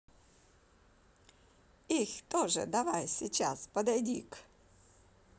ich тоже давай сейчас подойди к